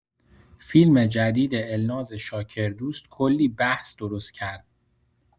فیلم جدید الناز شاکردوست کلی بحث درست کرد.